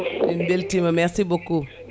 min beltima merci beaucoup